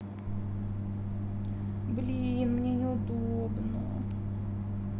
блин мне неудобно